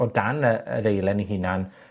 o dan y y ddeilen 'i hunan,